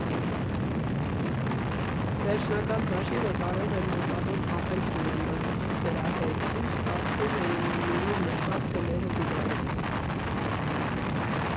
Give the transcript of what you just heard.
Վերջնական հաշիվը կարող էր մոտավոր կապ էլ չունենալ նրա հետ, ինչ ստացվում էի մենյուում նշված գները գումարելիս։